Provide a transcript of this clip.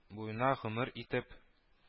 Буена гомер итеп